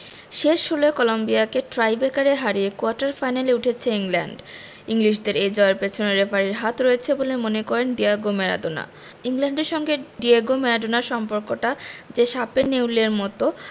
শেষ ষোলোয় কলম্বিয়াকে টাইব্রেকারে হারিয়ে কোয়ার্টার ফাইনালে উঠেছে ইংল্যান্ড ইংলিশদের এই জয়ের পেছনে রেফারির হাত রয়েছে বলে মনে করেন ডিয়েগো ম্যারাডোনা ইংল্যান্ডের সঙ্গে ডিয়েগো ম্যারাডোনার সম্পর্কটা যে শাপে নেউলের মতো